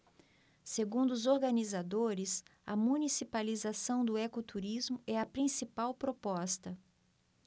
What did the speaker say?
segundo os organizadores a municipalização do ecoturismo é a principal proposta